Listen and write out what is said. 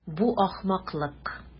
Бу ахмаклык.